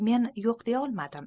men yo'q deya olmadim